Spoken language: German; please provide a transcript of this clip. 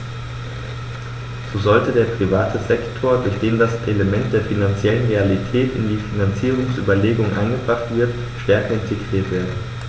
So sollte der private Sektor, durch den das Element der finanziellen Realität in die Finanzierungsüberlegungen eingebracht wird, stärker integriert werden.